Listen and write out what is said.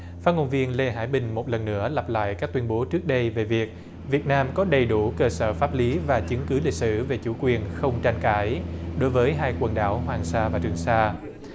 phát ngôn viên lê hải bình một lần nữa lặp lại các tuyên bố trước đây về việc việt nam có đầy đủ cơ sở pháp lý và chứng cứ lịch sử về chủ quyền không tranh cãi đối với hai quần đảo hoàng sa và trường sa